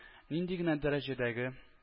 Нинди генә дәрәҗәдәге